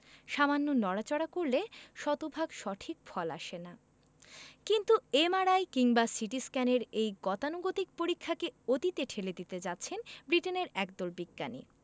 সামান্য নড়াচড়া করলে শতভাগ সঠিক ফল আসে না কিন্তু এমআরআই কিংবা সিটিস্ক্যানের এই গতানুগতিক পরীক্ষাকে অতীতে ঠেলে দিতে যাচ্ছেন ব্রিটেনের একদল বিজ্ঞানী